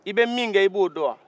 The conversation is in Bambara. i bɛ min kɛ i b'o dɔn